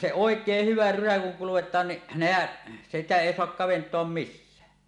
se oikein hyvä rysä kun kudotaan niin nehän sitä ei saa kaventaa missään